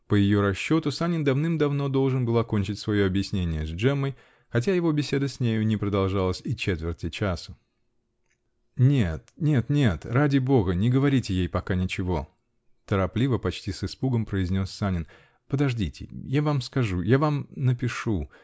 По ее расчету, Санин давным-давно должен был окончить свое объяснение с Джеммой, хотя его беседа с нею не продолжалась и четверти часа -- Нет, нет, нет, ради бога, не говорите ей пока ничего, -- торопливо, почти с испугом произнес Санин. -- Подождите. я вам скажу, я вам напишу .